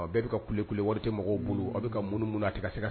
Bɛɛ bi ka kulu kule wari tɛ mɔgɔw bolo a bi ka munun munun a ti ka San.